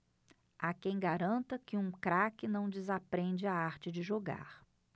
há quem garanta que um craque não desaprende a arte de jogar